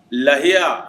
Lahiya